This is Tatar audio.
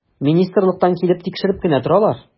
Министрлыктан килеп тикшереп кенә торалар.